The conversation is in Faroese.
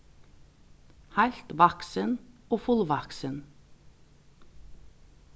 heilt vaksin og fullvaksin